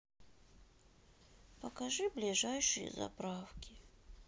покажи ближайшие заправки